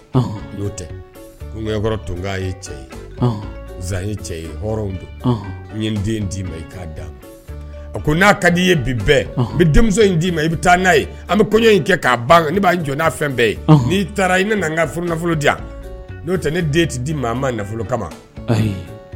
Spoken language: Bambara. N'o' cɛ ye zan ye cɛ ye don n ye n den d'i ma k'a a ko n'a ka di i ye bi denmuso in d'i ma i bɛ taa n'a ye an bɛ kɔɲɔ in kɛ'a ban ne b'a n'a fɛn bɛɛ ye n'i taara i ne n ka f nafolo di n'o tɛ ne den tɛ dii ma ma nafolo kama